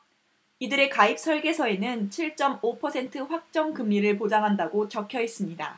이들의 가입설계서에는 칠 쩜 오 퍼센트 확정 금리를 보장한다고 적혀있습니다